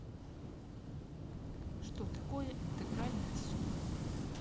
что такое интегральная сумма